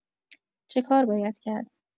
چه کار باید کرد؟